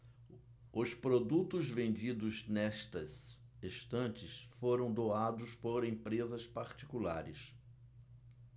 os produtos vendidos nestas estantes foram doados por empresas particulares